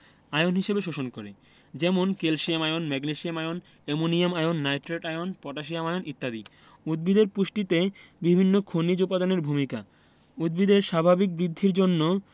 ion হিসেবে শোষণ করে যেমন calcium ion magnesium ion ammonium ion nitrate ion potassium ion ইত্যাদি উদ্ভিদের পুষ্টিতে বিভিন্ন খনিজ উপাদানের ভূমিকা উদ্ভিদের স্বাভাবিক বৃদ্ধির জন্য